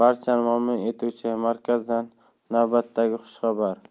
mamnun etuvchi markazdan navbatdagi xushxabar